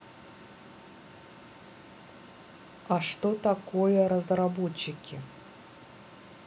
а что такое разработчики